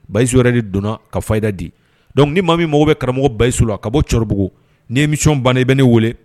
Bayisu yɛrɛ de donna ka fayida di donc maa min mago bɛ karamɔgɔ Bayisu la ka bɔ Cɔribugu ni émission bana i bɛ ne wele.